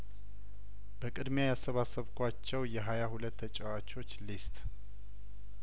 በቅድምያ ያሰባሰብኳቸው የሀያ ሁለቱ ተጫዋቾች ሊስት